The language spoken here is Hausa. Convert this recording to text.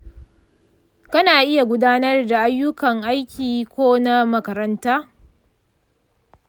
kana iya gudanar da ayyukan aiki ko na makaranta?